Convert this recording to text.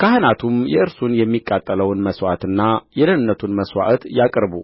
ካህናቱም የእርሱን የሚቃጠለውን መሥዋዕትና የደኅንነቱን መሥዋዕት ያቅርቡ